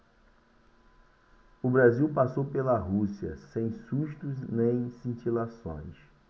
o brasil passou pela rússia sem sustos nem cintilações